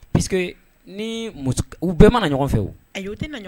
Parce que ni muso u bɛɛ mana ɲɔgɔn fɛ wo, ayi o te nan ɲɔ